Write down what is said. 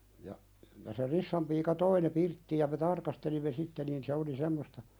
ja ja se Rissan piika toi ne pirttiin ja me tarkastelimme sitten niin se oli semmoista